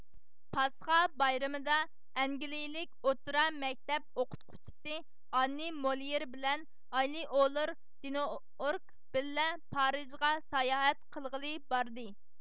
پاسخا بايرىمىدا ئەنگلىيىلىك ئوتتۇرا مەكتەپ ئوقۇتقۇچىسى ئاننى مولېيېر بىلەن ئايلېئولور دېنوئورگ بىللە پارىژغا ساياھەت قىلغىلى باردى